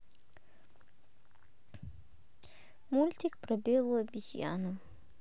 мультик про белую обезьяну